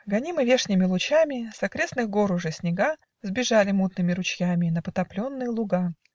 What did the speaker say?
Гонимы вешними лучами, С окрестных гор уже снега Сбежали мутными ручьями На потопленные луга.